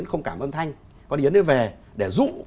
không cảm âm thanh con yến đấy về để dụ